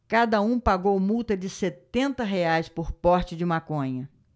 cada um pagou multa de setenta reais por porte de maconha